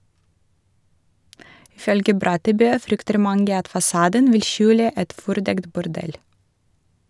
Ifølge Brattebø frykter mange at fasaden vil skjule et fordekt bordell.